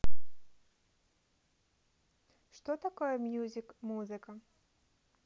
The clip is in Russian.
что такое music музыка